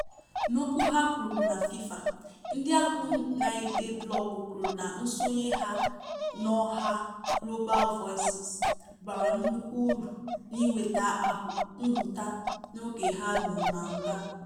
N'okwu ha kwuru na FIFA, ndị ahụ na-ede blọọgụ kwuru na nsonye ha n'ọha Global Voices bara nnukwu uru n'inweta nhụta n'oge ha nọ na nga.